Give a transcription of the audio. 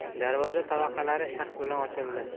darvoza tavaqalari shaxt bilan ochildi